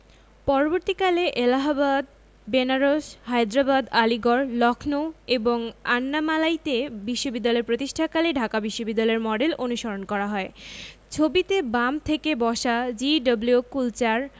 পরবর্তীকালে এলাহাবাদ বেনারস হায়দ্রাবাদ আলীগড় লক্ষ্ণৌ এবং আন্নামালাইতে বিশ্ববিদ্যালয় প্রতিষ্ঠাকালে ঢাকা বিশ্ববিদ্যালয়ের মডেল অনুসরণ করা হয় ছবিতে বাম থেকে বসা জি.ডব্লিউ. কুলচার